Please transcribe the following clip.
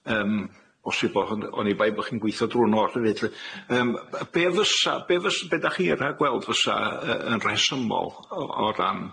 Yym, bosib bo' hynny- oni bai bo chi'n gweithio drw'r nos hefyd lly. Yym, b- b- be fysa- be fys- be 'da chi'n rhagweld fysa y y yn rhesymol o o ran